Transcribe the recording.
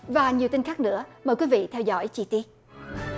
và nhiều tin khác nữa mời quý vị theo dõi chi tiết